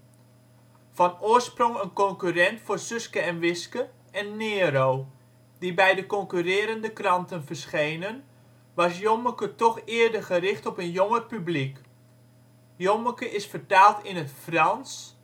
oorsprong een concurrent voor Suske en Wiske en Nero, die bij de concurrerende kranten verschenen, was Jommeke toch eerder gericht op een jonger publiek. Jommeke is vertaald in het Frans